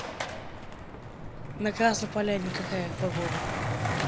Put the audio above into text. на красной поляне какая погода